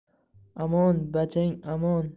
amon bachang amon